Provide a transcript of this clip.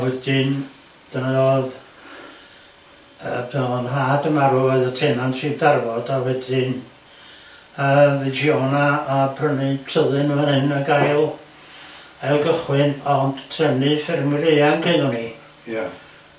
A wedyn dyna o'dd yy pan o'dd yn nhad yn marw o'dd y tenancy yn darfod a 'dyn yy ddes i o'na a prynu tyddyn yn fan'yn ag ail- ailgychwyn ond trefnu ffermwyr ifanc oeddwn i... Ia